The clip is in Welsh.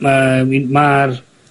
Ma'.. Wi'n... Ma'r